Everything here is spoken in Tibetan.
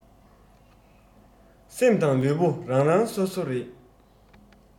སེམས དང ལུས པོ རང རང སོ སོ རེད